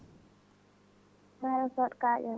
Mariame Sall* Kaƴel